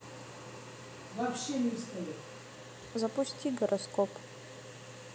запусти гороскоп